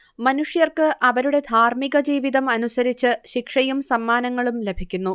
മനുഷ്യർക്ക് അവരുടെ ധാർമികജീവിതം അനുസരിച്ച് ശിക്ഷയും സമ്മാനങ്ങളും ലഭിക്കുന്നു